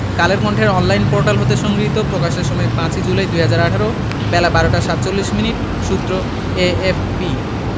কালের কন্ঠের online portal হতে সংগৃহীত প্রকাশের সময় ৫ ই জুলাই ২০১৮ বেলা ১২টা ৪৭ মিনিট সূত্র এএফপি